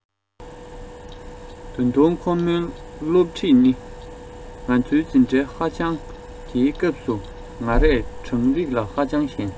ད དུང ཁོ མོ སློབ ཁྲིད ནི ང ཚོའི འཛིན གྲྭ ཧ ཅང དེ སྐབས སུ ང རང གྲངས རིག ལ ཧ ཅང ཞན